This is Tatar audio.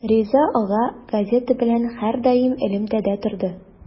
Риза ага газета белән һәрдаим элемтәдә торды.